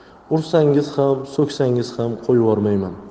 so'ksangiz ham qo'yvormayman